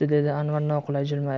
dedi anvar noqulay jilmayib